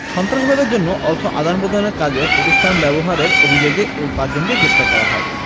সন্ত্রাসবাদের জন্য অর্থ আদান প্রদানের কাজে প্রতিষ্ঠান ব্যবহারের অভিযোগে এই পাঁচজনকে গ্রেপ্তার করা হয়